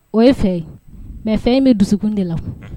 O ye fɛ mɛ fɛn in bɛ dusukun de la